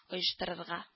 Оештырырга